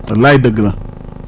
wallaay dëgg la